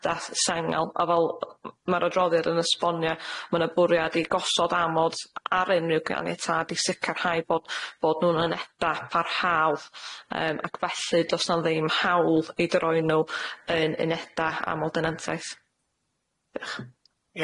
eda s- sengl a fel ma'r adroddiad yn esbonio ma' 'na bwriad i gosod amod ar unryw ganiatâd i sicrhau bod bod nw'n yn uneda parhaol yym ac felly do's 'na ddim hawl i droi n'w yn uneda amol denantiaeth. Dioch.